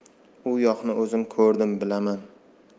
u yoqni o'zim ko'rdim bilaman